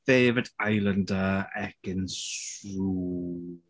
Favourite Islander, Ekin Su.